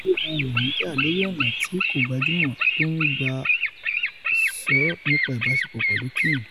Ó gbe ara rẹ̀ níjà lórí ọ̀nà tí kò gbajúmọ̀ tó ń gbà sọ̀rọ̀ nípa ìbáṣepọ̀ pẹ̀lú Kim.